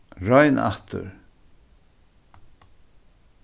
royn aftur